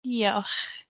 Diolch.